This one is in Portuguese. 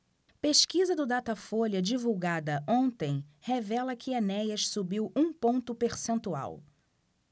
pesquisa do datafolha divulgada ontem revela que enéas subiu um ponto percentual